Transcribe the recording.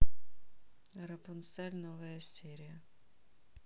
рапунцель новая история